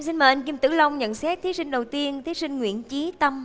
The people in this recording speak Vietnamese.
xin mời anh kim tử long nhận xét thí sinh đầu tiên thí sinh nguyễn chí tâm